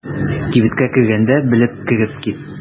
Кибеткә кергәндә белеп кереп кит.